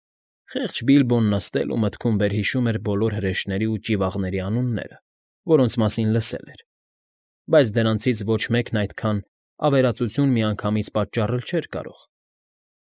Խեղճ Բիլբոն նստել ու մտքում վերհիշում էր բոլոր հրեշների ու ճիվաղների անունները, որոնց մասին լսել էր, բայց դրանցից ոչ մեկն այդքան ավերածություն միանգամից պատճառել չէր կարող։